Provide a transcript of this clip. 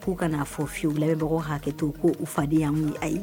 K'u kan'a fɔ fiyewu lamɛbagaw hakɛ to ko u faden y'anw ye ayi